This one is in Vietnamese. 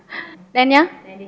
đen nhớ